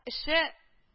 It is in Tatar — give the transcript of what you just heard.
Эше